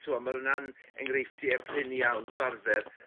t'wo' ma'r wnna'n enghreifftie prin iawn fel arfer